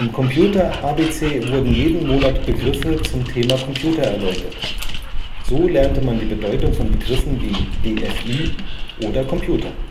Computer-ABC wurden jeden Monat Begriffe zum Thema Computer erläutert. So lernte man die Bedeutung von Begriffen wie DFÜ oder Computer